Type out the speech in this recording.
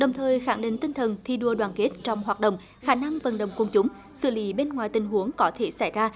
đồng thời khẳng định tinh thần thi đua đoàn kết trong hoạt động khả năng vận động quần chúng xử lý bên ngoài tình huống có thể xảy ra